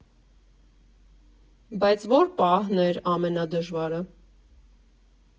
Բայց ո՞ր պահն էր ամենադժվարը։